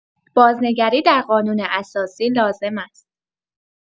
بازنگری در قانون اساسی لازم است!